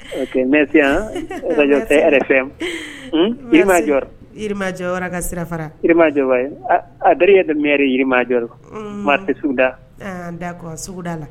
O k; merci hein! radio Sahel F M Yirimajɔ ka sirafara , Yirimajɔ wayi, ç ç an d'accord suguda la